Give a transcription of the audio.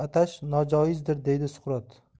atash nojoizdir deydi suqrot